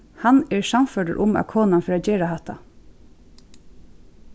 hann er sannførdur um at konan fer at gera hatta